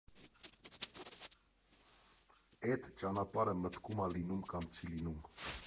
Չէ, էդ ճանապարհը մտքում ա լինում կամ չի լինում։